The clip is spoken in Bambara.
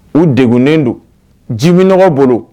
U degunnen don ji bɛ nɔgɔ bolo